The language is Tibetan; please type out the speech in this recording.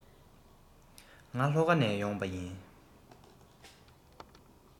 ང ལྷོ ཁ ནས ཡོང པ ཡིན